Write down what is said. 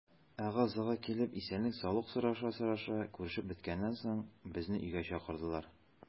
Ыгы-зыгы килеп, исәнлек-саулык сораша-сораша күрешеп беткәннән соң, безне өйгә чакырдылар.